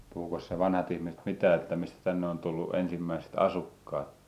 puhuikos ne vanhat ihmiset mitään että mistä tänne on tullut ensimmäiset asukkaat